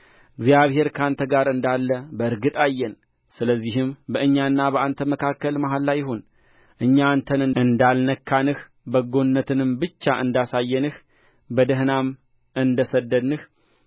እግዚአብሔር ከአንተ ጋር እንዳለ በእርግጥ አየን ስለዚህም በእኛና በአንተ መካከል መሐላ ይሁን እኛ አንተን እንዳልነካንህ በጎነትንም ብቻ እንዳሳየንህ በደኅናም እንደ ሰደድንህ